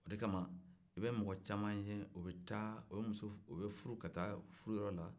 o de kama i bɛ mɔgɔ caman ye u bɛ taa u bɛ muso furu u bɛ furu ka taa furuyɔrɔla